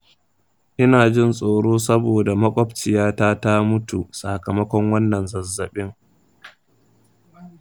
ina jin tsoro saboda maƙwabciyata ta mutu sakamakon wannan zazzaɓin.